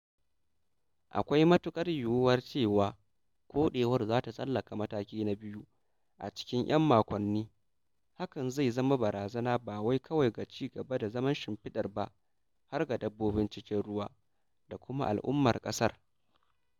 Akwai matuƙar yiwuwar cewa koɗewar za ta tsallaka mataki na biyu a cikin 'yan makonni, hakan zai zama barazana ba wai kawai ga cigaba da zaman shimfiɗar ba har ga dabbobin cikin ruwa da kuma al'ummar ƙasar.